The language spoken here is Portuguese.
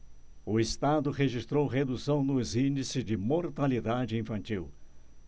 o estado registrou redução nos índices de mortalidade infantil